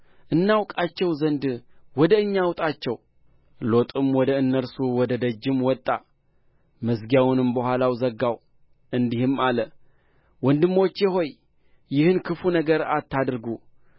እናውቃቸው ዘንድ ወደ እኛ አውጣቸው ሎጥም ወደ እነርሱ ወደ ደጅ ወጣ መዝጊያውንም በኋላው ዘጋው እንዲህም አለ ወንድሞቼ ሆይ ይህን ክፉ ነገር አታድርጉ